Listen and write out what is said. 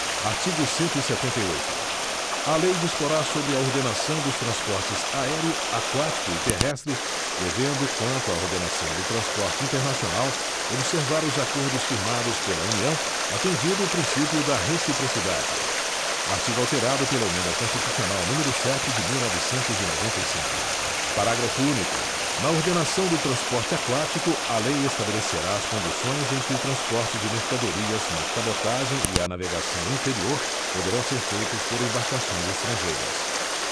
artigo cento e setenta e oito a lei disporá sobre a ordenação dos transportes aéreo aquático e terrestre devendo quanto à ordenação do transporte internacional observar os acordos firmados pela união atendido o princípio da reciprocidade artigo alterado pela emenda constitucional número sete de mil novecentos e noventa e cinco parágrafo único na ordenação do transporte aquático a lei estabelecerá as condições em que o transporte de mercadorias na cabotagem e a navegação interior poderão ser feitos por embarcações estrangeiras